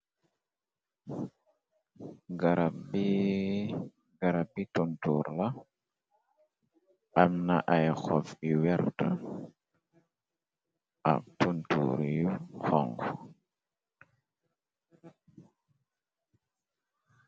Garab bi tontuur la amna ay xob yu werta ak tontuur yu xonko .